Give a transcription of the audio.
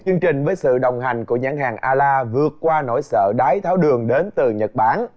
chương trình với sự đồng hành của nhãn hàng a la vượt qua nỗi sợ đái tháo đường đến từ nhật bản